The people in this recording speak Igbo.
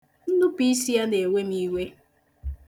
Nnupuisi ya na-ewe m iwe .